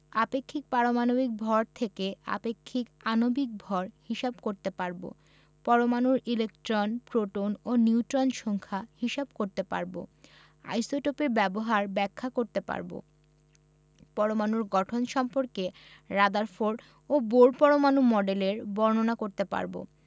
⦁ আপেক্ষিক পারমাণবিক ভর থেকে আপেক্ষিক আণবিক ভর হিসাব করতে পারব ⦁ পরমাণুর ইলেকট্রন প্রোটন ও নিউট্রন সংখ্যা হিসাব করতে পারব ⦁ আইসোটোপের ব্যবহার ব্যাখ্যা করতে পারব ⦁ পরমাণুর গঠন সম্পর্কে রাদারফোর্ড ও বোর পরমাণু মডেলের বর্ণনা করতে পারব